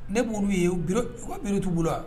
Ne b' ye u ka mitigiw la